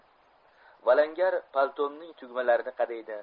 valangar paltomning tugmalarini qadaydi